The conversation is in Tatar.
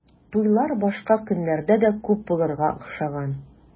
Туйлар башка көннәрдә дә күп булырга охшаган.